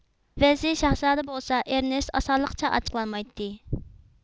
ۋىلسېي شاھزادە بولسا ئېرنېست ئاسانلىقچە ئاچچىقلانمايتتى